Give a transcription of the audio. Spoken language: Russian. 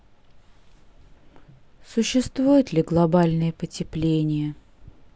существует ли глобальное потепление